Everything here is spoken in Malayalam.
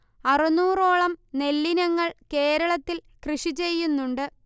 അറുന്നൂറോളം നെല്ലിനങ്ങൾ കേരളത്തിൽ കൃഷിചെയ്യുന്നുണ്ട്